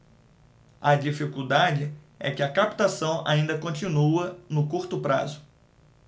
a dificuldade é que a captação ainda continua no curto prazo